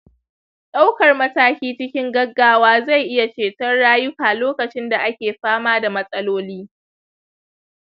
daukar mataki cikin gaggawa zai iya ceton rayuka lokacinda ake fama da matsaloli.